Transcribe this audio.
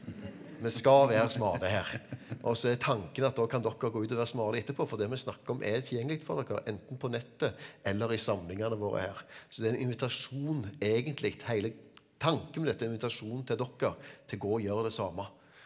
vi skal være smale her og så er tanken at da kan dere gå ut og være smale etterpå for det vi snakker om er tilgjengelig for dere, enten på nettet eller i samlingene våre her, så det er en invitasjon egentlig hele tanken med dette er en invitasjon til dere til å gå og gjøre det samme.